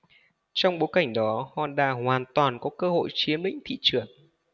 trong bối cảnh đó honda hoàn toàn có cơ hội chiếm lĩnh thị trường